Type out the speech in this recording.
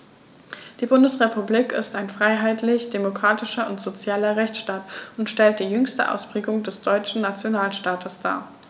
Die Bundesrepublik ist ein freiheitlich-demokratischer und sozialer Rechtsstaat und stellt die jüngste Ausprägung des deutschen Nationalstaates dar.